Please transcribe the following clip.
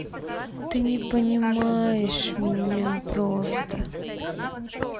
ты не понимаешь меня просто